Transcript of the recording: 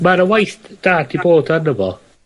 ma' 'na waith d- da 'di bod arno fo.